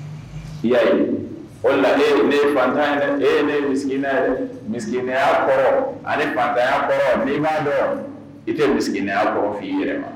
I y'a ye, o de la, ne ye fatan ye dɛ, ee ne ye miskiina ye. misikiina ya kɔrɔ ani fantanya kɔrɔ, n'i b'a don, I tɛ misikiina fɔ i yɛrɛ man.